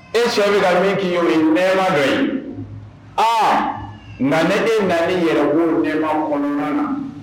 E su ka min kɛ yeo ye nɛ dɔ ye a nka ne den na ni yɛrɛbolo den kɔnɔna na